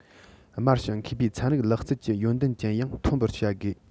དམར ཞིང མཁས པའི ཚན རིག ལག རྩལ གྱི ཡོན ཏན ཅན ཡང འཐོན པར བྱ དགོས